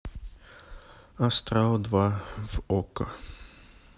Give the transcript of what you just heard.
астрал два в окко